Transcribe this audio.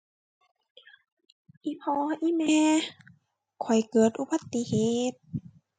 อีพ่ออีแม่ ข้อยเกิดอุบัติเหตุ